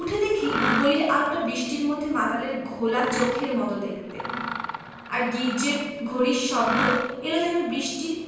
উঠে দেখি গলির আলোটা বৃষ্টির মধ্যে মাতালের ঘোলা চোখের মত দেখতে আর গির্জ্জের ঘড়ির শব্দ এল যেন বৃষ্টির